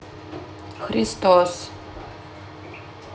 христос